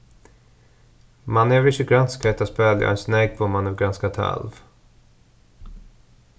mann hevur ikki granskað hetta spælið eins nógv og mann hevur granskað talv